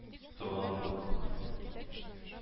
Торганын күрде